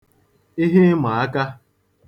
iheịmàaka